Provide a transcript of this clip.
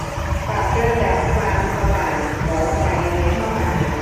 ปรับระดับความสว่างของไฟในห้องอาหาร